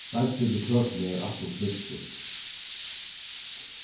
deiggið til køkuna er alt ov klistrut